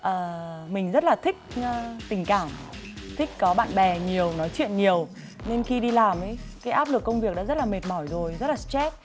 ờ mình rất là thích ngơ tình cảm thích có bạn bè nhiều nói chuyện nhiều nên khi đi làm ý cái áp lực công việc đã rất là mệt mỏi rồi rất là sờ choét